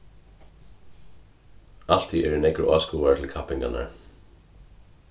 altíð eru nógvir áskoðarar til kappingarnar